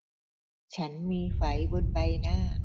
ฉันมีไฝบนใบหน้า